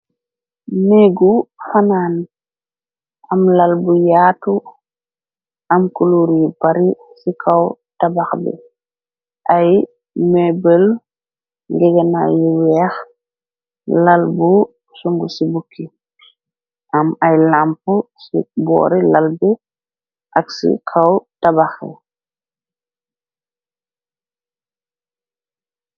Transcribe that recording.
Néegu xanaan am lal bu yaatu am kuluur yu bari ci kaw tabax bi ay mebël ngégena yu weex lal bu sung ci bukki am ay lamp ci boori lal bi ak ci xaw tabaxi.